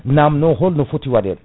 mi namno holno foti waɗede